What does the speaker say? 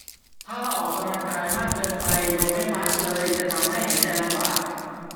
ถ้าออกกำลังกายมากเกินไปโดยไม่พักเลยจะทำให้หายใจลำบาก